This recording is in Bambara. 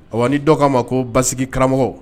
A wa ni dɔgɔ' ma ko basisigi karamɔgɔ